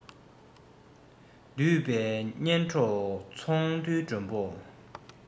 འདུས པའི གཉེན གྲོགས ཚོང འདུས མགྲོན པོ